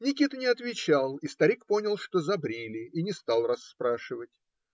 Никита не отвечал, и старик понял, что забрили, и не стал расспрашивать.